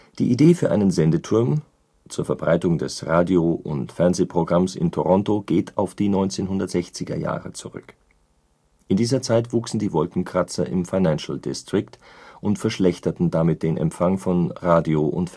Die Idee für einen Sendeturm zur Verbreitung des Radio - und Fernsehprogramms in Toronto geht auf die 1960er Jahre zurück. In dieser Zeit wuchsen die Wolkenkratzer im Financial District (→ Liste der höchsten Wolkenkratzer in Toronto) und verschlechterten damit den Empfang von Radio - und